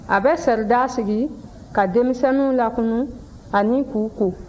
a bɛ seridaa sigi ka denmisɛnw lakunun ani k'u ko